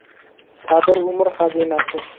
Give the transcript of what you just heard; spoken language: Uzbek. sabr umr xazinasi